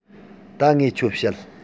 ད ངས ཁྱོད བཤད